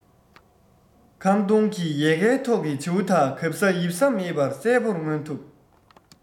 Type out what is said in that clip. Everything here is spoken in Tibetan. ཁམ སྡོང གི ཡལ གའི ཐོག གི བྱིའུ དག གབ ས ཡིབ ས མེད པར གསལ པོར མངོན ཐུབ